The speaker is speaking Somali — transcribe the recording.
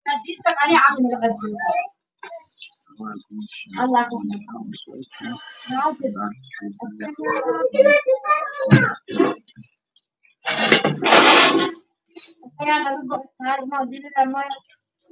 Shaati surwaal iyo kabo